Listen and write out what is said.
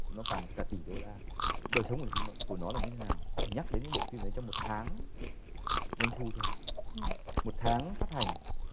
nó càng cả tỷ đô la đời sống ở dung lượng của nó là như nào nhắc đến những bộ phim này trong một tháng doanh thu thôi một tháng phát hành